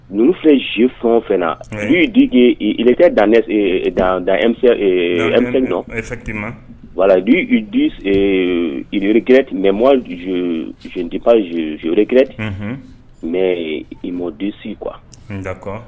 N filɛ si fɛn fɛn na olu direkɛ p wala mɛ mɔz zdip zz zorikɛɛrɛ mɛ mɔdisi qu